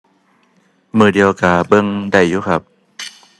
มื้อเดียวก็เบิ่งได้อยู่ครับ